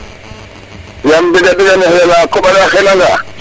yam wax deg neex yala a koɓale a xena nga